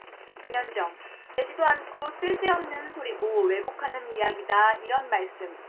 김현정 되지도 않고 쓸데없는 소리고 왜곡하는 이야기다 이런 말씀